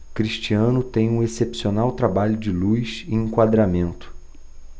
cristiano tem um excepcional trabalho de luz e enquadramento